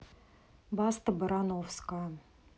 баста барановская